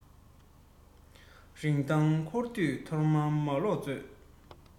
ཚོད མེད ཁ ཆེ ཕ ལུའི ཚོད ནས ཤོར